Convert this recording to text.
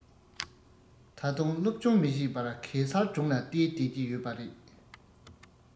ད དུང སློབ སྦྱོང མི བྱེད པར གེ སར སྒྲུང ལ བལྟས བསྡད ཀྱི ཡོད པ རེད